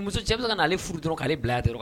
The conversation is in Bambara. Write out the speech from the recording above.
Muso cɛ be se kan'ale furu dɔrɔn k'ale bila yan dɔrɔn